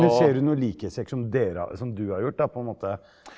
men ser du noen likhetstrekk som dere har som du har gjort da på en måte?